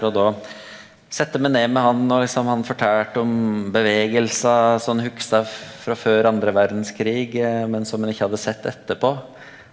og då sette eg meg ned med han, og liksom han fortalde om bevegelsar som han hugsa frå før andre verdskrig men som han ikkje hadde sett etterpå.